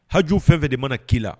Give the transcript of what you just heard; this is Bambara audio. Haju fɛn fɛ de mana k' la